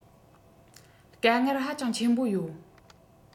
དཀའ ངལ ཧ ཅང ཆེན པོ ཡོད